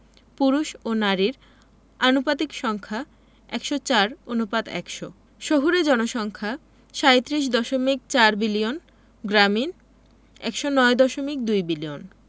পুরুষ ও নারীর আনুপাতিক সংখ্যা ১০৪ অনুপাত ১০০ শহুরে জনসংখ্যা ৩৭দশমিক ৪ বিলিয়ন গ্রামীণ ১০৯দশমিক ২ বিলিয়ন